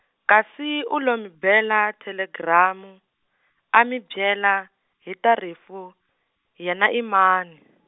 kasi u lo mi bela thelegiramu, a mi byela, hi ta rifu, yena i mani.